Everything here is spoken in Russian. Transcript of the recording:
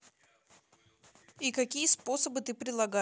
и какие способы ты предлагаешь